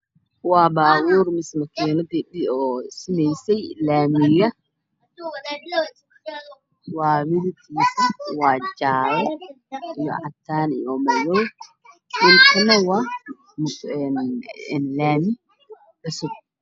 Waa baabuurtii simeysay lamiga mideb koodu yihiin cadaan, madow iyo guduud